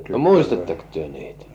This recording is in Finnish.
no muistatteko te niitä